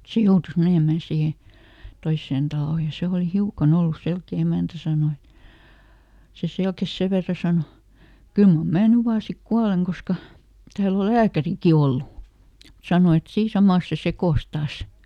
se joutui menemään siihen toiseen taloon ja se oli hiukan ollut selkeä emäntä sanoi että se selkesi sen verran sanoi kyllä mar minä nyt vain sitten kuolen koska täällä on lääkärikin ollut sanoi että siinä samassa se sekosi taas